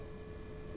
huit huit